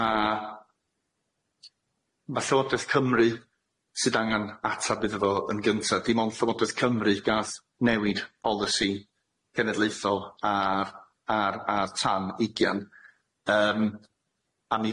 a ma' Llywodraeth Cymru sydd angan atab iddo fo yn gynta dim ond Llywodraeth Cymru gath newid polisi cenedlaethol ar ar ar tan ugian yym a mi